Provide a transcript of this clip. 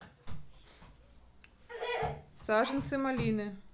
саженцы малины